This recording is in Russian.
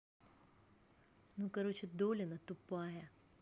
ну короче долина тупая